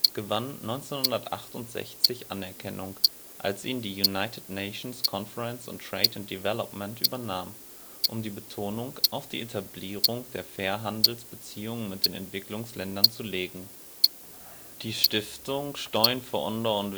gewann 1968 Anerkennung, als ihn die United Nations Conference on Trade and Development (UNCTAD) übernahm, um die Betonung auf die Etablierung der Fairhandelsbeziehungen mit den Entwicklungsländern zu legen. Die Stiftung Steun voor